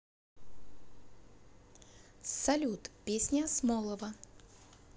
салют песни асмолова